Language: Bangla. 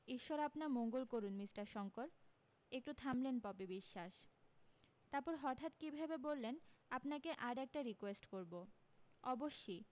ঈশ্বর আপনার মঙ্গল করুণ মিষ্টার শংকর একটু থামলেন পপি বিশ্বাস তারপর হঠাত কী ভেবে বললেন আপনাকে আর একটা রিকোয়েস্ট করবো অবশ্যি